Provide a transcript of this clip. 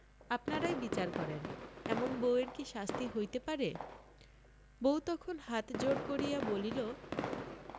আপনারাই বিচার করেন এমন বউ এর কি শাস্তি হইতে পারে বউ তখন হাত জোড় করিয়া বলিল